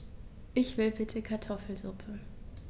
Ich will bitte Kartoffelsuppe.